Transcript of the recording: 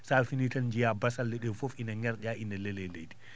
so a finii tan njiyaa basalle ɗe fof ina ŋerƴaa ine lelii e leydi